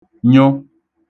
nyụ